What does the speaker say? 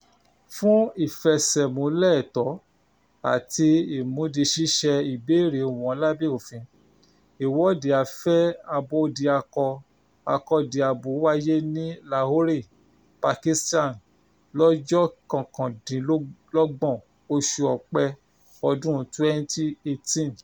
Fún ìfẹsẹ̀múlẹ̀ ẹ̀tọ́ àti imúdiṣíṣẹ ìbéèrè wọn lábẹ́ òfin, ìwọ́de Afẹ́ Abódiakọ-akọ́diabo wáyé ní Lahore, Pakistan, lọ́jọ́ 29 oṣù Ọ̀pẹ ọdún 2018.